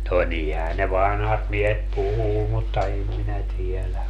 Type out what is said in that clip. no niinhän ne vanhat miehet puhuu mutta en minä tiedä